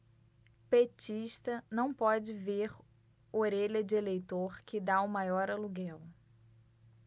petista não pode ver orelha de eleitor que tá o maior aluguel